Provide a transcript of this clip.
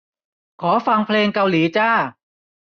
ขอฟังเพลงเกาหลีจ้า